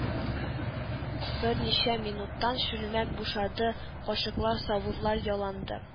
Берничә минуттан чүлмәк бушады, кашыклар, савытлар яланды